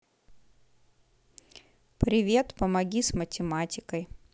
привет помоги с математикой